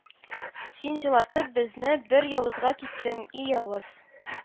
Син, җылатып безне, бер явызга киттең, и явыз